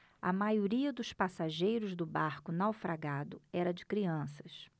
a maioria dos passageiros do barco naufragado era de crianças